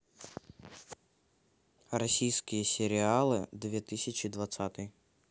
российские сериалы две тысячи двадцатый